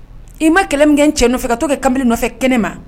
I ma kɛlɛ min kɛ cɛ nɔfɛ ka to kɛ kamalen nɔfɛ kɛnɛ ma